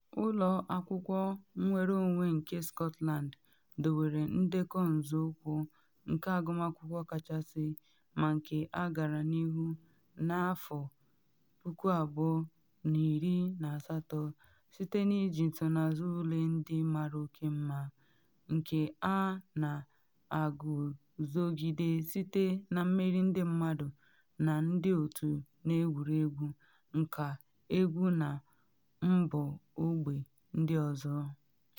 Ụlọ akwụkwọ nnwere onwe nke Scotland dowere ndekọ nzọụkwụ nke agụmakwụkwọ kachasị, ma nke a gara n’ihu na 2018 site na iji nsonaazụ ule ndị mara oke mma, nke a na agụzogide site na mmeri ndị mmadụ na ndị otu n’egwuregwu, nka, egwu na mbọ ogbe ndị ọzọ.